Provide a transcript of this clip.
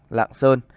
lạng sơn